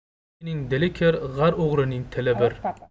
g'iybatchining dih kir g'ar o'g'rining tili bir